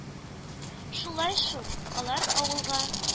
Шулай шул, алар авылга